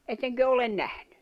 ettekö ole nähnyt